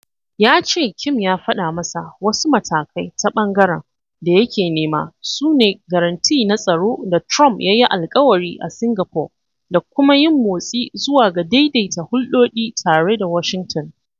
Ya ce Kim ya faɗa masa "wasu matakai ta ɓangaren" da yake nema su ne garanti na tsaro da Trump ya yi alkawari a Singapore da kuma yin motsi zuwa ga daidaita hulɗoɗi tare da Washington.